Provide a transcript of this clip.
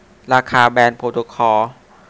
ราคาแบรนด์โปรโตคอล